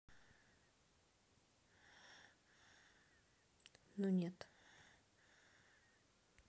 ну нет